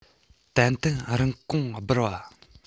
ཏན ཏན རིན གོང སྤར བ